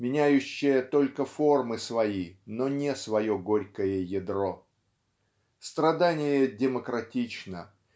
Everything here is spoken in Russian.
меняющая только формы свои но не свое горькое ядро. Страдание демократично.